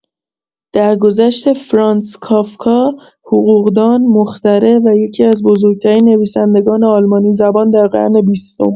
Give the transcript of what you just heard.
درگذشت فرانتس کافکا، حقوق‌دان، مخترع و یکی‌از بزرگ‌ترین نویسندگان آلمانی‌زبان در قرن بیستم